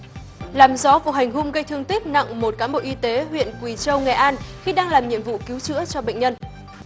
làm rõ cuộc hành hung gây thương tích nặng một cán bộ y tế huyện quỳ châu nghệ an khi đang làm nhiệm vụ cứu chữa cho bệnh nhân